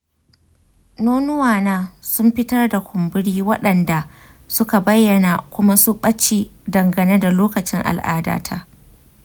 nonuwana sun fitar da kumburi waɗanda suke bayyana kuma su ɓace dangane da lokacin al'adata.